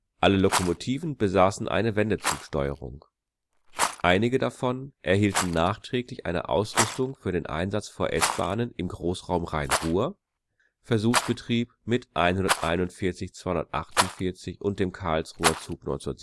Alle Lokomotiven besaßen eine Wendezugsteuerung. Einige davon erhielten nachträglich eine Ausrüstung für den Einsatz vor S-Bahnen im Großraum Rhein-Ruhr (Versuchsbetrieb mit 141 248 und dem Karlsruher Zug 1977